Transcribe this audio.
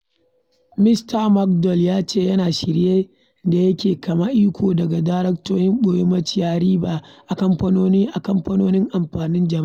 Mista McDonnell ya ce yana shirye da ya kame iko daga 'daraktocin ɓoye' da 'maciya riba' a kamfanonin amfanin jama'a.